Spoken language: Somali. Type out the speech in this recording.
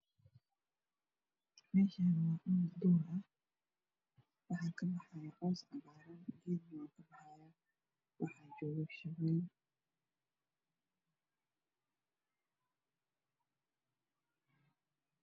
Meeshaan waa dhul duur ah waxaa kabaxaayo caws cagaaran iyo geed cagaaran waxaa joogo shinbiro.